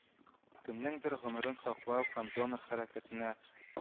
Кемнеңдер гомерен саклау һәм донор хәрәкәтенә